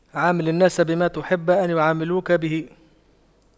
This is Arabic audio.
عامل الناس بما تحب أن يعاملوك به